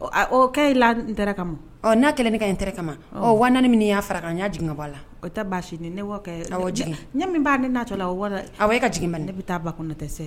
o kɛ ye la intérêt kama ɔ n'a kɛlen ne ka intérêt kama ɔ wa naani min ni n y'a far'a kan n y'a jigin ka bɔ a la. O tɛ baasi di. ɔwɔ jigin ɔwɔ e ka jigin bani